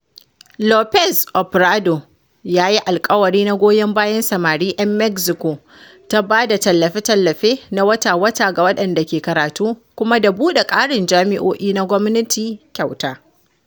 Lopez Obrador ya yi alkawari na goyon bayan samari ‘yan Mexico ta ba da tallafe-tallafe na wata-wata ga waɗanda ke karatu kuma da buɗe ƙarin jami’o’i na gwamnati kyauta.